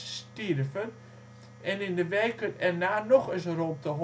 stierven en in de weken erna nog eens rond de